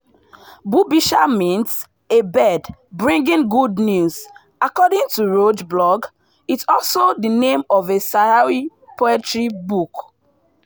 Bubisher means “a bird bringing good news.” According to Roge Blog, it is also the name of a Saharaui poetry book.